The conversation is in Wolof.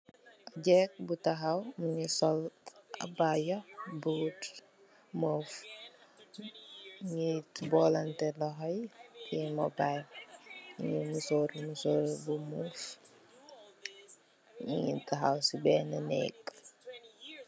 Jigeen bu taxaw mugii sol abaya bu muuf, mugii bolante loxoyi teyeh mobile mugii musóru musór bu muuf mugii taxaw ci benna nék.